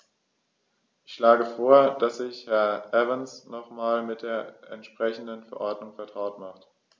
Ich schlage vor, dass sich Herr Evans nochmals mit der entsprechenden Verordnung vertraut macht.